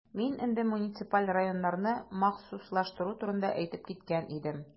Мин инде муниципаль районнарны махсуслаштыру турында әйтеп киткән идем.